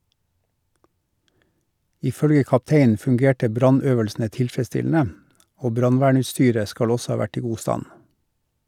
Ifølge kapteinen fungerte brannøvelsene tilfredsstillende, og brannvernutstyret skal også ha vært i god stand.